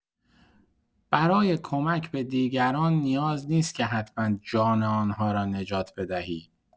برای کمک به دیگران نیاز نیست که حتما جان آن‌ها را نجات بدهی.